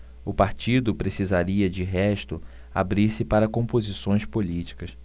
o partido precisaria de resto abrir-se para composições políticas